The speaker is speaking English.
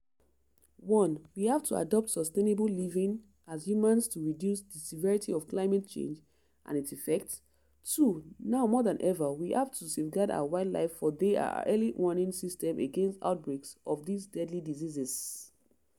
“One, we have to adopt sustainable living as humans to reduce the severity of climate change and its effects; two, now more than ever, we have to safeguard our wildlife for they are our early warning systems against outbreaks of these deadly diseases.”